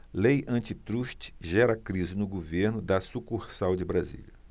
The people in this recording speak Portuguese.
lei antitruste gera crise no governo da sucursal de brasília